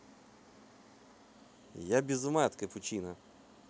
я без ума капучино